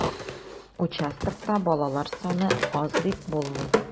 Участокта балалар саны аз дип булмый.